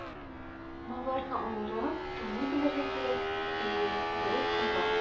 Малларны аера, таный белергә кирәк, әйе, дөрес карау